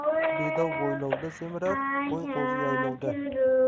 bedov boylovda semirar qo'y qo'zi yaylovda